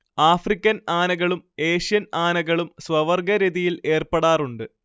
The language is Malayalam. ആഫ്രിക്കൻ ആനകളും ഏഷ്യൻ ആനകളും സ്വവർഗ്ഗരതിയിൽ ഏർപ്പെടാറുണ്ട്